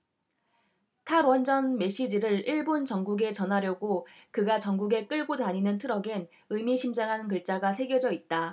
탈원전 메시지를 일본 전국에 전하려고 그가 전국에 끌고 다니는 트럭엔 의미심장한 글자가 새겨져 있다